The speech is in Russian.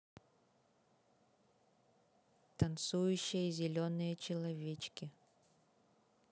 танцующие зеленые человечки